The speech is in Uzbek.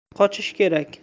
qochish kerak